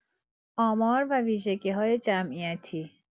آمار و ویژگی‌های جمعیتی